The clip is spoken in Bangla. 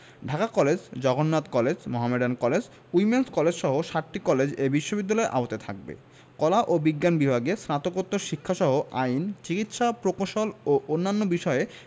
Dhaka college Jagannath college Mohammedan college women's কলেজসহ সাতটি কলেজ এ বিশ্ববিদ্যালয়ের আওতায় থাকবে কলা ও বিজ্ঞান বিভাগে স্নাতকোত্তর শিক্ষাসহ আইন চিকিৎসা প্রকৌশল ও অন্যান্য বিষয়ে